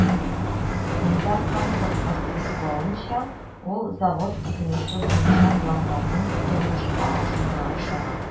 Илдар Халиков ассызыклавынча, ул завод төзелеше буенча планнарның тормышка ашуына ышана.